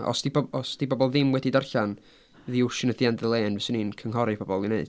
Os 'di bob... os 'di bobl ddim wedi darllen The Ocean at the end of the Lane fyswn i'n cynghori pobl i wneud.